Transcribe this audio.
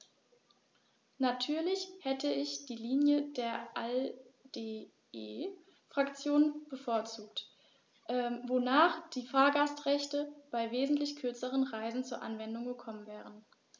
Natürlich hätte ich die Linie der ALDE-Fraktion bevorzugt, wonach die Fahrgastrechte bei wesentlich kürzeren Reisen zur Anwendung gekommen wären.